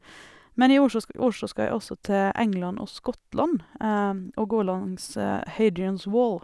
Men i år så sk år så skal jeg også til England og Skottland og gå langs Hadrian's Wall.